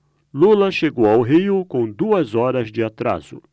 lula chegou ao rio com duas horas de atraso